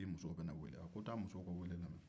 i musow bɛ ne wele wa ko taa muso ka wele lamɛn